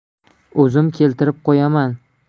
o'zim keltirib qo'yaman